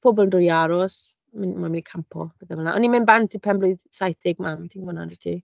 Pobl yn dod i aros, myn- ma'n mynd i campio, pethe fel 'na. A ni'n mynd bant i pen-blwydd saith deg mam, ti'n gwbod hwnna yn dwyt ti?